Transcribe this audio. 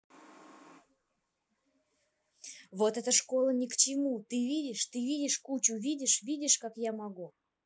вот так эта школа ни к чему ты видишь ты видишь кучу видишь видишь как я могу